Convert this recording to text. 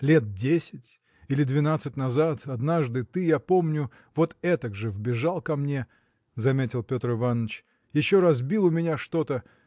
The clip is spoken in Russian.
– Лет десять или двенадцать назад однажды ты я помню вот этак же вбежал ко мне – заметил Петр Иваныч – еще разбил у меня что-то.